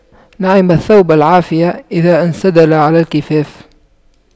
نعم الثوب العافية إذا انسدل على الكفاف